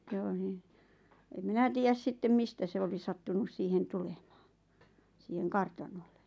ja - niin en minä tiedä sitten mistä se oli sattunut siihen tulemaan siihen kartanolle